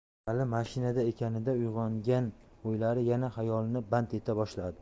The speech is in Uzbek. hali mashinada ekanida uyg'ongan o'ylari yana xayolini band eta boshladi